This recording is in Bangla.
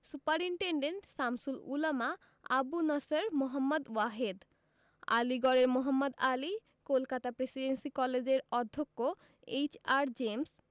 সুপারিন্টেন্ডেন্ট শামসুল উলামা আবু নসর মুহম্মদ ওয়াহেদ আলীগড়ের মোহাম্মদ আলী কলকাতা প্রেসিডেন্সি কলেজের অধ্যক্ষ এইচ.আর জেমস